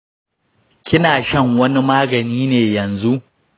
kina shan wani magani ne yanzu?